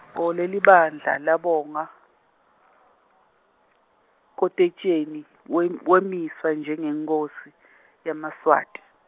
oh, lelibandla labonga, Nkhotfotjeni wem- wemiswa njengenkhosi yemaSwati.